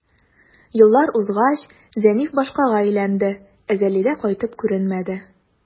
Еллар узгач, Зәниф башкага өйләнде, ә Зәлидә кайтып күренмәде.